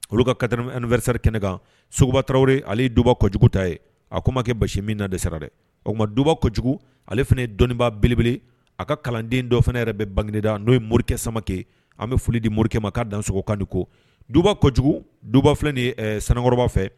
Olu ka ka2sɛri kɛnɛ kan sogoba taraweleraw ale ye duba kɔ kojugu ta ye a ko ma kɛ basi min na de sara dɛ o tuma ma duba kojugu ale fana dɔnniibaa belebele a ka kalanden dɔ fana yɛrɛ bɛ bangda n'o ye mori kɛ samakɛ an bɛ foli di morikɛ ma ka dan sogo kan ko duba kojugu duba filɛ sanukɔrɔ fɛ